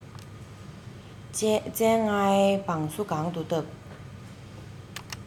བཙན ལྔའི བང སོ གང དུ བཏབ